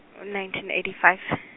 ngo- nineteen eighty five.